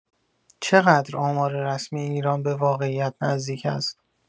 چقدر آمار رسمی ایران به واقعیت نزدیک است؟